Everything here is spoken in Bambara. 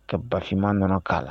Ka bafinmaɔnɔ k'a la